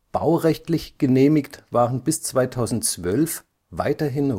Baurechtlich genehmigt waren bis 2012 weiterhin